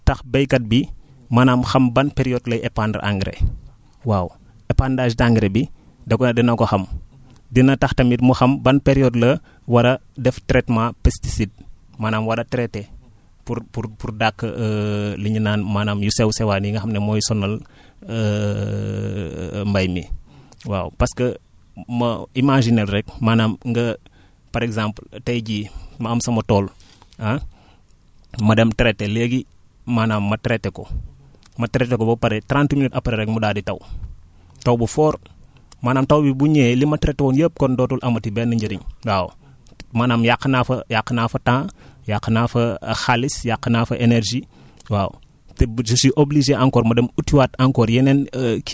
waaw prévision décadaire boobu noonu en fait dina tax baykat bi maanaam xam ban période lay épandre engrais waaw épandage d' engrais bi da koy dina ko xam dina tax tamit mu xam ban période la war a def traitement pesticide maanaam war a traiter pour pour pour dàq li ñu naan maanaam yu sew sewaéan yi nga xam ne mooy sonal mbay mi waaw parce que ma imaazineel rekk maanaam nga par exemple tay jii ma am sama tool ah ma dem traiter léegi maanaam ma traiter ko ma traiter ko ba pare trente minutes après rekk mu daal di taw taw bu fort maanaam taw yi bu ñëwee li ma traiter woon yépp kon dootul amati benn njëriñ waaw maanaam yàq naa fa yàq naa fa temps yàq naa fa xaalis yàq naa fa énergie waaw